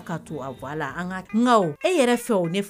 Fɛ